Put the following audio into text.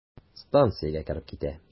Станциягә кереп китә.